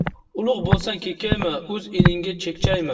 ulug' bo'lsang kekkayma o'z elingga chekchayma